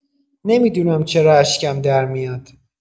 نمی‌دونم چرا اشکم درمیاد